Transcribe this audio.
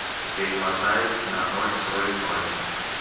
перемотай на ноль сорок ноль